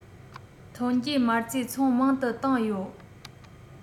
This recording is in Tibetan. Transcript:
ཐོན སྐྱེད མ རྩའི མཚོན མང དུ བཏང ཡོད